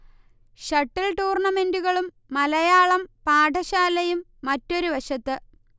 shuttle ടൂർണമെന്റുകളും മലയാളം പാഠശാലയും മറ്റൊരു വശത്ത്